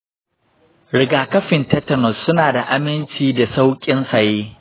rigakafin tetanus suna da aminci da sauƙin saye.